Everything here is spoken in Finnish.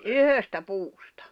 yhdestä puusta